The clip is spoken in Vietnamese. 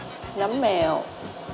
nấm mèo